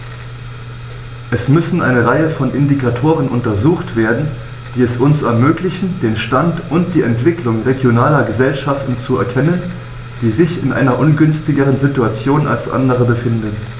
Es müssen eine Reihe von Indikatoren untersucht werden, die es uns ermöglichen, den Stand und die Entwicklung regionaler Gesellschaften zu erkennen, die sich in einer ungünstigeren Situation als andere befinden.